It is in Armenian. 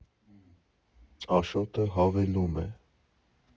Աշոտը հավելում է.